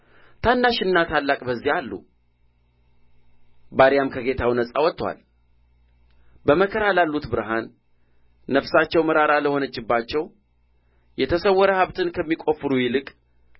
ታናሽና ታላቅ በዚያ አሉ ባሪያም ከጌታው ነጻ ወጥቶአል በመከራ ላሉት ብርሃን ነፍሳቸው መራራ ለሆነችባቸው የተሰወረ ሀብትን ከሚቈፍሩ ይልቅ